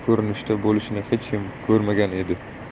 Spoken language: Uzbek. ko'rinishda bo'lishini hech kim ko'rmagan edi